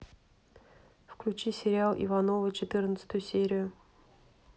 включи сериал ивановы четырнадцатую серию